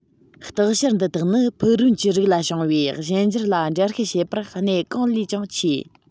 རྟག བཤེར འདི དག ནི ཕུག རོན གྱི རིགས ལ བྱུང བའི གཞན འགྱུར ལ འགྲེལ བཤད བྱེད པར གནད གང ལས ཀྱང ཆེ